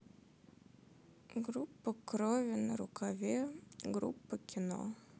группа крови на рукаве группа кино